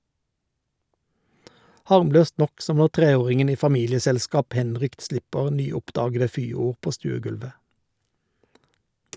Harmløst nok, som når treåringen i familieselskap henrykt slipper nyoppdagede fyord på stuegulvet.